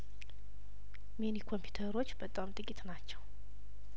ሚኒ ኮምፒውተሮች በጣም ጥቂት ናቸው